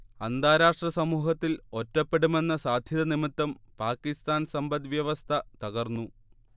അന്താരാഷ്ട്ര സമൂഹത്തിൽ ഒറ്റപ്പെടുമെന്ന സാധ്യത നിമിത്തം പാകിസ്താൻ സമ്പദ് വ്യവസ്ഥ തകർന്നു